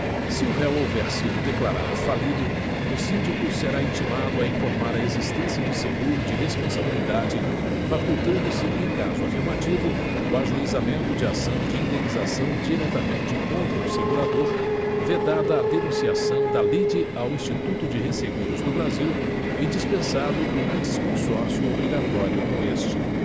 se o réu houver sido declarado falido o síndico será intimado a informar a existência de seguro de responsabilidade facultandose em caso afirmativo o ajuizamento de ação de indenização diretamente contra o segurador vedada a denunciação da lide ao instituto de resseguros do brasil e dispensado o litisconsórcio obrigatório com este